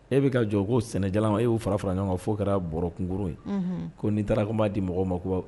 E bɛ ka jɔ ko sɛnɛja e y'o fara ɲɔgɔn kan fo kɛra bɔkunkuru ye ko nin taarama di mɔgɔw ma